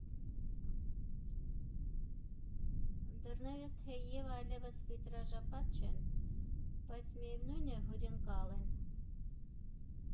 Դռները թեև այլևս վիտրաժապատ չեն, բայց միևնույն է՝ հյուրընկալ են։